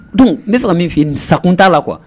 Don ne fana min' yen sakun t'a la qu kuwa